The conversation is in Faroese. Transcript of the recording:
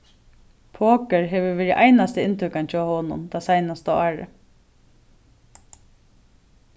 poker hevur verið einasta inntøkan hjá honum tað seinasta árið